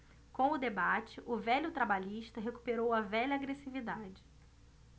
com o debate o velho trabalhista recuperou a velha agressividade